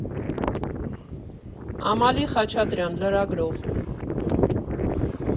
Ամալի Խաչատրյան, լրագրող։